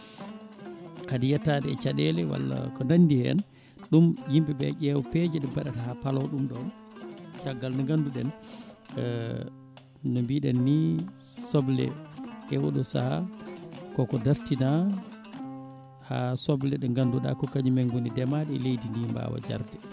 kadi yettade e caɗele walla ko nandi hen ɗum yimɓeɓe ƴeewa peeje ɗe mbaɗata ha paalo ɗum ɗon caggal nde ganduɗen no mbiɗen ni soble e oɗo saaha koko dartina ha soble ɗe ganduɗa ko kañum en gooni ndeemaɗe e leydi ndi mbawa jarde